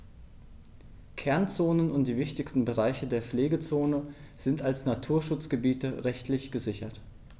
Kernzonen und die wichtigsten Bereiche der Pflegezone sind als Naturschutzgebiete rechtlich gesichert.